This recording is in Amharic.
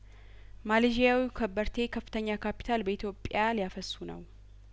ማሌዥያዊው ከበርቴ ከፍተኛ ካፒታል በኢትዮጵያ ሊያፈሱ ነው